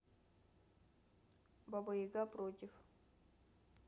баба яга против